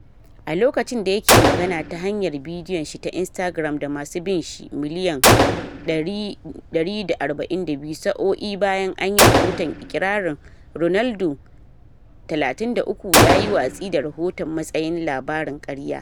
A lokacin da yake magana ta hanyar bidiyon shi ta Instagram da masu bin shi Miliyan 142 sa’o’i bayan an yi rahoton ikirarin, Ronaldo, 33, yayi watsi da rahoton matsayin “labarin karya”